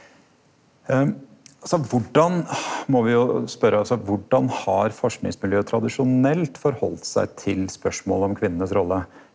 så korleis må vi jo spørja, altså korleis har forskingsmiljøet tradisjonelt forhalde seg til spørsmålet om kvinnenes rolle?